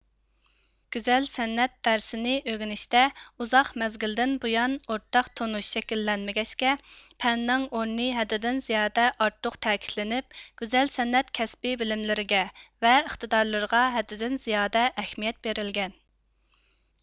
گۈزەل سەنئەت دەرسنى ئۆگىنىشتە ئۇزاق مەزگىلدىن بۇيان ئورتاق تونۇش شەكىللەنمىگەچكە پەننىڭ ئورنى ھەددىدىن زىيادە ئارتۇق تەكىتلىنىپ گۈزەل سەنئەت كەسپىي بىلىملىرىگە ۋە ئىقتىدارلىرىغا ھەددىدىن زىيادە ئەھمىيەت بېرىلگەن